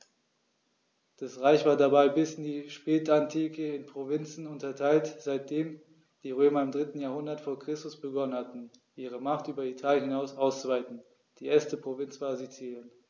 Das Reich war dabei bis in die Spätantike in Provinzen unterteilt, seitdem die Römer im 3. Jahrhundert vor Christus begonnen hatten, ihre Macht über Italien hinaus auszuweiten (die erste Provinz war Sizilien).